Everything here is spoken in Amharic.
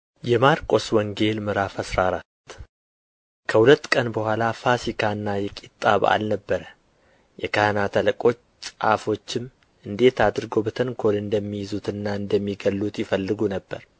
የማርቆስ ወንጌል ምዕራፍ አስራ አራት ከሁለት ቀን በኋላ ፋሲካና የቂጣ በዓል ነበረ የካህናት አለቆችም ጻፎችም እንዴት አድርገው በተንኰል እንደሚይዙትና እንደሚገድሉት ይፈልጉ ነበር